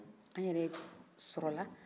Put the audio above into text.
a yɛrɛ sɔrɔla